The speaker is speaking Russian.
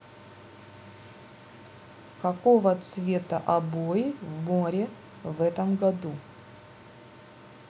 какого цвета обои в море в этом году